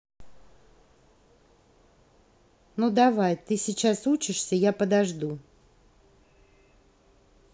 ну давай ты сейчас учишься я подожду